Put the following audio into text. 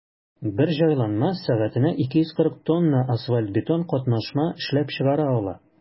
Бер җайланма сәгатенә 240 тонна асфальт–бетон катнашма эшләп чыгара ала.